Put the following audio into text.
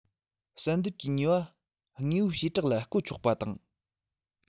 བསལ འདེམས ཀྱི ནུས པ དངོས པོའི བྱེ བྲག ལ བཀོལ ཆོག པ དང